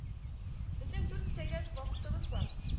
- безнең дүрт сәгать вакытыбыз бар